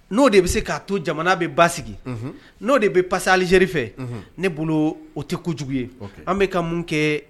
N' de bɛ se'a to jamana bɛ ba sigi n'o de bɛ pasa alializeri fɛ ne bolo o tɛ kojugu ye an bɛka ka mun kɛ